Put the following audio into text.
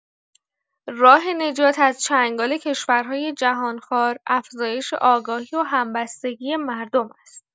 راه نجات از چنگال کشورهای جهانخوار، افزایش آگاهی و همبستگی مردم است.